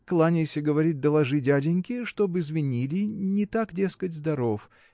Кланяйся, говорит, доложи дяденьке, чтоб извинили не так, дескать, здоров